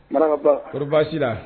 Marakabaw kori baasi t'i la